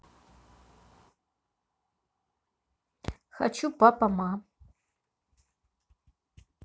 хочу папа ма